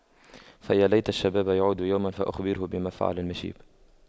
فيا ليت الشباب يعود يوما فأخبره بما فعل المشيب